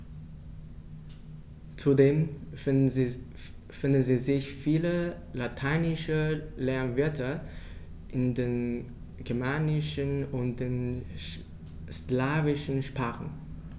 Zudem finden sich viele lateinische Lehnwörter in den germanischen und den slawischen Sprachen.